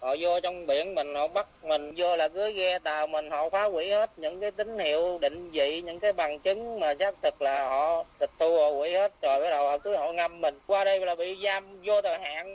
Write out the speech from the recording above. họ giô trong biển mình họ bắt mình giờ là cứ ghe tàu mình họ phá hủy hết những cái tín hiệu định vị những bằng chứng mà xác thực là họ tịch thu họ hủy hết rồi bắt đầu họ tới họ ngâm mình qua đây bị giam vô thời hạn